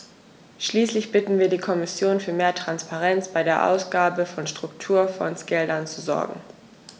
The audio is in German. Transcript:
Schließlich bitten wir die Kommission, für mehr Transparenz bei der Ausgabe von Strukturfondsgeldern zu sorgen.